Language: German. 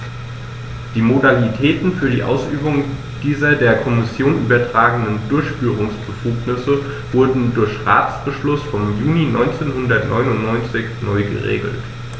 Die Modalitäten für die Ausübung dieser der Kommission übertragenen Durchführungsbefugnisse wurden durch Ratsbeschluss vom Juni 1999 neu geregelt.